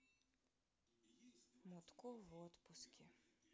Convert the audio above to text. мутко в отпуске